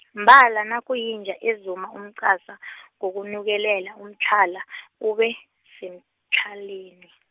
mbala nakuyinja ezuma umqasa , ngokunukelela umtlhala , ube, semtlhaleni.